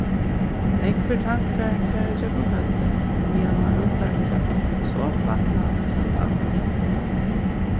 nógvir tankar fara gjøgnum høvdið meðan mann rullar gjøgnum eitt so flatt land sum danmark